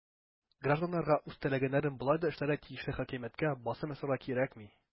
Гражданнарга үз теләгәннәрен болай да эшләргә тиешле хакимияткә басым ясарга кирәкми.